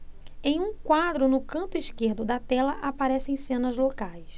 em um quadro no canto esquerdo da tela aparecem cenas locais